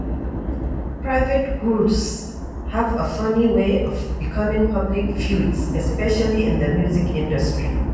Private grouses have a funny way of becoming public feuds — especially in the music industry.